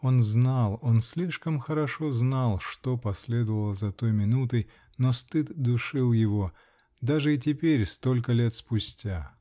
он знал, он слишком хорошо знал, что последовало за той минутой, но стыд душил его -- даже и теперь, столько лет спустя